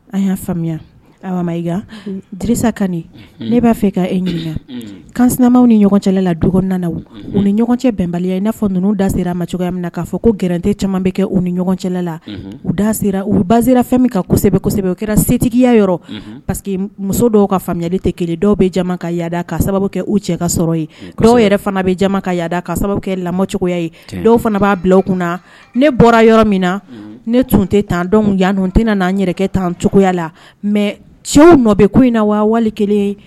An y'a faamuyasa ne b'a fɛ k' e ɲini kan sinama ni ɲɔgɔn cɛ la ni ɲɔgɔn cɛ bɛnbaliya ye n'a fɔ ninnu da sera ma cogoya min na'a fɔ ko garan caman bɛ kɛ u ni ɲɔgɔn cɛ la u da u ba sera fɛn min kasɛbɛsɛbɛ u kɛra setigiya yɔrɔ paseke muso dɔw ka faamuyayali tɛ kelen dɔw bɛ ka yaada ka sababu kɛ u cɛ ka sɔrɔ ye dɔw yɛrɛ fana bɛ ka yaada ka sababu kɛ lamɔcogoya ye dɔw fana b'a bila kunna ne bɔra yɔrɔ min na ne tun tɛ tandɔ yan tɛna n'an yɛrɛ kɛ tan cogoyaya la mɛ cɛw nɔ bɛ ko in na wa wali kelen